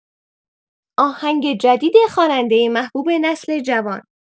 آهنگ جدید خواننده محبوب نسل جوان